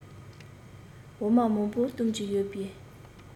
འོ མ མང པོ བཏུང རྒྱུ ཡོད པའི